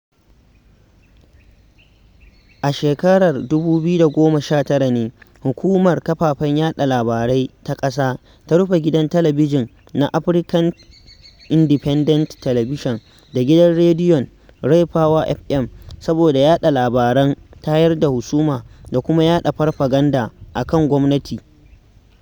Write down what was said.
A shekarar 2019 ne Hukumar Kafafen Yaɗa Labarai Ta ƙasa ta rufe Gidan Talabijin na African Independent Television da Gidan Rediyon RayPower FM saboda yaɗa labaran tayar da husuma da kuma yaɗa farfaganda a kan gwamnati.